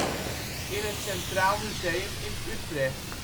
in het Centraal Museum in Utrecht